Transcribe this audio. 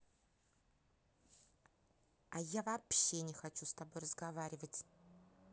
а я вообще не хочу с тобой разговаривать